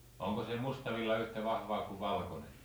onko se musta villa yhtä vahvaa kuin valkoinen